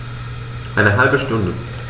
Eine halbe Stunde